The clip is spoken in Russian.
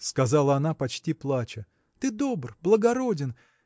– сказала она, почти плача, – ты добр, благороден.